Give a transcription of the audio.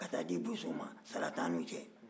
ka taa di bosow ma sara t'a n'u cɛ